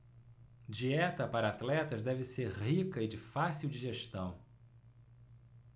dieta para atletas deve ser rica e de fácil digestão